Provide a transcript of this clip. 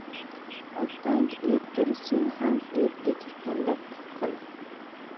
otang erdir sen ham erdek qiliq qil